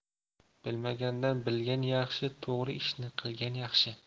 bilmagandan bilgan yaxshi to'g'ri ishni qilgan yaxshi